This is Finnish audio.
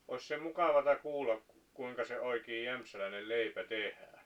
olisi se mukavaa kuulla kuinka se oikea jämsäläinen leipä tehdään